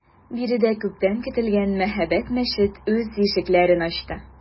Биредә күптән көтелгән мәһабәт мәчет үз ишекләрен ачты.